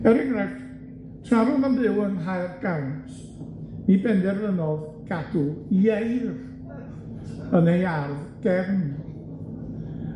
Er enghraifft, tra ro'dd yn byw yng Nghaergrawnt, mi benderfynodd gadw ieir yn ei ardd gefn,